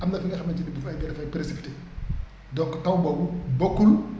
am na fi nga xamante ne bii ay précipité donc taw boobu bokkul